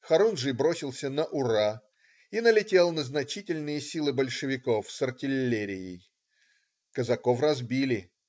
Хорунжий бросился "на ура" и налетел на значительные силы большевиков с артиллерией. Казаков разбили.